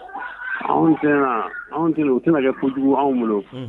Anw anw u tɛna kɛ kojugu anw bolo